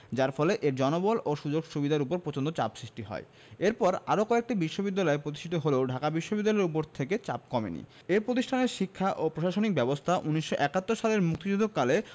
যার ফলে এর জনবল ও সুযোগ সুবিধার ওপর প্রচন্ড চাপ সৃষ্টি হয় এরপর আরও কয়েকটি বিশ্ববিদ্যালয় প্রতিষ্ঠিত হলেও ঢাকা বিশ্ববিদ্যালয়ের ওপর থেকে চাপ কমেনি এ প্রতিষ্ঠানের শিক্ষা ও প্রশাসনিক ব্যবস্থা ১৯৭১ সালের মুক্তিযুদ্ধকালে